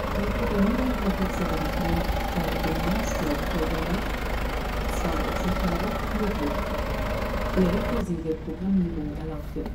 Die Programmierung komplexer Berechnungen war mit dem Master Programmer (zwei Exemplare) möglich, der rekursive Programmierung erlaubte